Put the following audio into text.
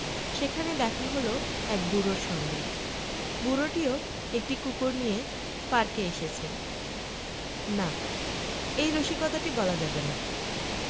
সেখানে দেখা হল এক বুড়োর সঙ্গে বুড়োটিও একটি কুকুর নিয়ে পার্কে এসেছে না এই রসিকতাটি বলা যাবে না